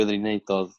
be odda ni'n neud odd